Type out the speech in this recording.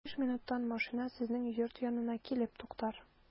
Биш минуттан машина сезнең йорт янына килеп туктар.